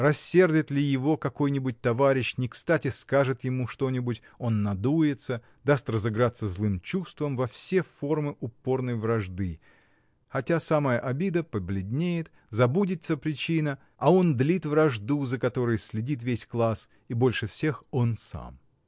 Рассердит ли его какой-нибудь товарищ, некстати скажет ему что-нибудь, он надуется, даст разыграться злым чувствам во все формы упорной вражды, хотя самая обида побледнеет, забудется причина, а он длит вражду, за которой следит весь класс и больше всех он сам.